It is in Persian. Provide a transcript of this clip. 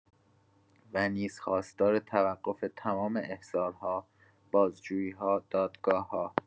و نیز خواستار توقف تمام احضارها، بازجویی‌ها، دادگاه‌ها